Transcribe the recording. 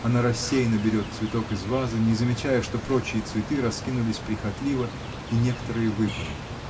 она рассеянно берет цветок из вазы, не замечая, что прочие цветы раскинулись прихотливо и некоторые выпали.